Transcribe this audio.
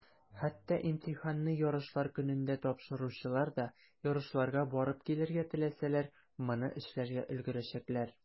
Хәтта имтиханны ярышлар көнендә тапшыручылар да, ярышларга барып килергә теләсәләр, моны эшләргә өлгерәчәкләр.